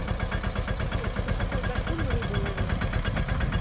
джой что такое гарпун рыба ловить